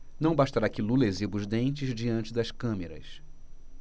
não bastará que lula exiba os dentes diante das câmeras